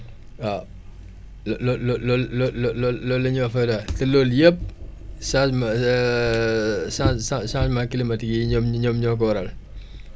waaw loo loo loo loo loo loolu la ñuy wax faux départ te loolu yëpp changement change change changement climatique yi ñoom ñoom ñoo ko waral